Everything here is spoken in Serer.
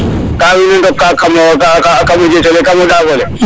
ka wiin we ndoka kama dioto le kama ndafole